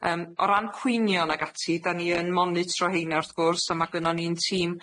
Yym o ran cwynion ag ati, 'dan ni yn monitro heina wrth gwrs, a ma' gynnon ni'n tîm